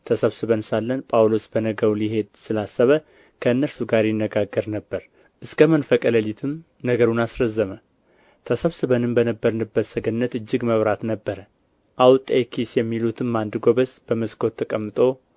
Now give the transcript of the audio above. ተሰብስበን ሳለን ጳውሎስ በነገው ሊሄድ ስላሰበ ከእነርሱ ጋር ይነጋገር ነበር እስከ መንፈቀ ሌሊትም ነገሩን አስረዘመ ተሰብስበንም በነበርንበት ሰገነት እጅግ መብራት ነበረ አውጤኪስ የሚሉትም አንድ ጎበዝ በመስኮት ተቀምጦ